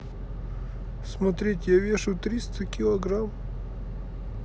смотреть я вешу триста килограмм